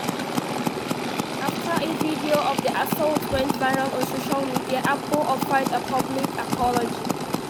After a video of the assault went viral on social media, Abbo offered a public apology.